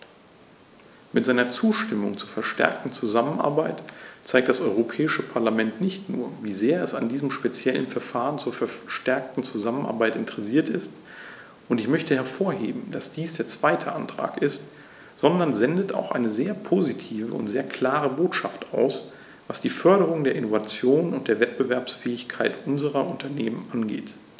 Mit seiner Zustimmung zur verstärkten Zusammenarbeit zeigt das Europäische Parlament nicht nur, wie sehr es an diesem speziellen Verfahren zur verstärkten Zusammenarbeit interessiert ist - und ich möchte hervorheben, dass dies der zweite Antrag ist -, sondern sendet auch eine sehr positive und sehr klare Botschaft aus, was die Förderung der Innovation und der Wettbewerbsfähigkeit unserer Unternehmen angeht.